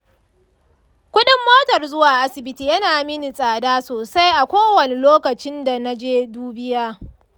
kuɗin motar zuwa asibiti yana mini tsada sosai a kowane lokaci da na je dubiya.